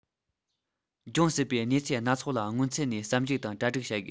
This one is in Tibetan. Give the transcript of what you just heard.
འབྱུང སྲིད པའི གནས ཚུལ སྣ ཚོགས ལ སྔོན ཚུད ནས བསམ གཞིགས དང གྲ སྒྲིག བྱ དགོས